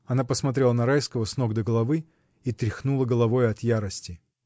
Она посмотрела на Райского с ног до головы и тряхнула головой от ярости.